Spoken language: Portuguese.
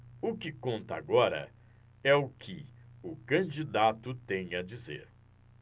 o que conta agora é o que o candidato tem a dizer